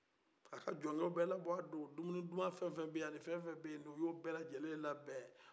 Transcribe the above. ka a ka jɔnkɛw labɔ a don dumuni duman fɛn o fɛn bɛ ye ani fɛn o fɛn bɛ ye u ye o bɛɛ lacɛlen labɛ